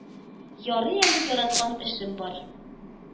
Ярый әле яраткан эшем бар